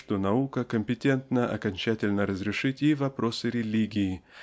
что наука компетентна окончательно разрешить и вопросы религии